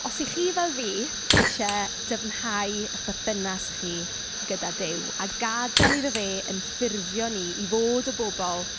Os 'y chi fel fi isie dyfnhau eich perthynas chi gyda Duw, a gadael iddo fe ein ffurfio ni i fod y bobl...